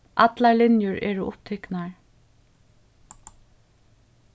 allar linjur eru upptiknar